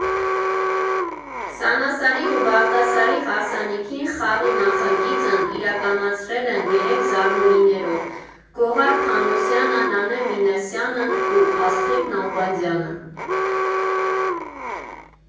Սանասարի ու Բաղդասարի հարսանիքին Խաղի նախագիծն իրականացրել են երեք զարմուհիներով՝ Գոհար Փանոսյանը, Նանե Մինասյանն ու Աստղիկ Նալբանդյանը։